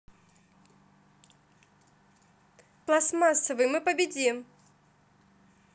пластмассовый мы победим